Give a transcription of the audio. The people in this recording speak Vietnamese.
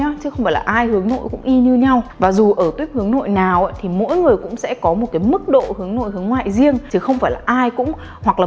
chứ không phải ai hướng nội cũng y như nhau và dù ở tuýp hướng nội nào thì mỗi người cũng sẽ có mức độ hướng nội hướng ngoại riêng chứ không phải là ai cũng hoặc là